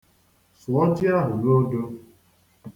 Sụọ ji ahụ n'odo.